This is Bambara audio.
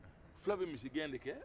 fulaw bɛ misigɛn de kɛ